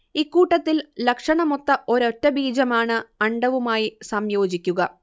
ഇക്കൂട്ടത്തിൽ ലക്ഷണമൊത്ത ഒരൊറ്റ ബീജമാണ് അണ്ഡവുമായി സംയോജിക്കുക